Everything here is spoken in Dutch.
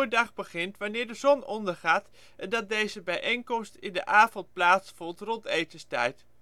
dag begint wanneer de zon onder gaat en dat deze bijeenkomst in de avond plaats vond rond etenstijd